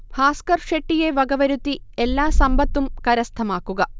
ഭാസ്ക്കർ ഷെട്ടിയെ വക വരുത്തി എല്ലാ സമ്പത്തും കര്സഥമാക്കുക